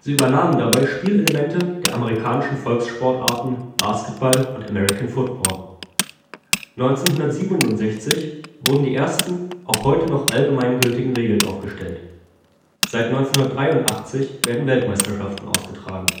übernahmen dabei Spielelemente der amerikanischen Volkssportarten Basketball und American Football. 1967 wurden die ersten, auch heute noch allgemeingültigen Regeln aufgestellt. Seit 1983 werden Weltmeisterschaften ausgetragen